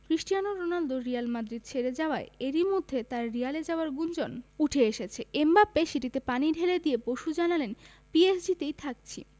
Cristiano Ronaldo Real Madrid ছেড়ে যাওয়ায় এরই মধ্যে তাঁর রিয়ালে যাওয়ার গুঞ্জন উঠেছে এমবাপ্পে সেটিতে পানি ঢেলে দিয়ে পরশু জানালেন পিএসজিতেই থাকছি